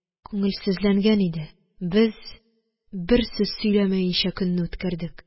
Күңелсезләнгән иде. без бер сүз сөйләмәенчә көнне үткәрдек